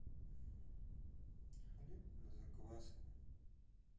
хлеб на закваску